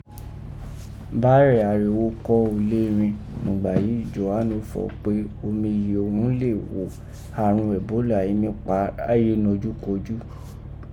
Bá rẹ̀ arigho kọ́ ulé rin nùgbà yìí Jòhánù fọ̀ ó pe omi iye òghun lè ghò àrọ̀n ẹ̀bólà mí pa iráyé nojúkojú.